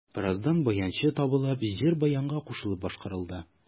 Бераздан баянчы табылып, җыр баянга кушылып башкарылды.